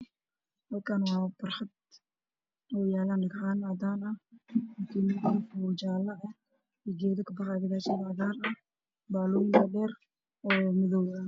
Waa cagaf cagaf midabkeedu yahay jaallo waxa ay guraysaa geedo cagaar ah ayaa ku egya